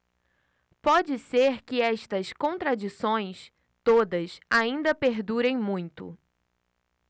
pode ser que estas contradições todas ainda perdurem muito